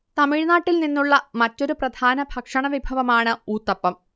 തമിഴ്നാട്ടിൽ നിന്നുള്ള മറ്റൊരു പ്രധാന ഭക്ഷണവിഭവമാണ് ഊത്തപ്പം